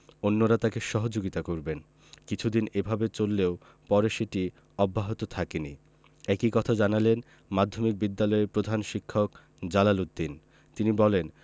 অন্যরা তাঁকে সহযোগিতা করবেন কিছুদিন এভাবে চললেও পরে সেটি অব্যাহত থাকেনি একই কথা জানালেন মাধ্যমিক বিদ্যালয়ের প্রধান শিক্ষক জালাল উদ্দিন তিনি বলেন